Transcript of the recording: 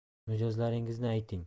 mijozlaringizni ayting